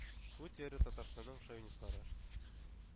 Бу теория татарстанның шовинистлары,